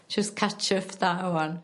jys catch up da ŵan.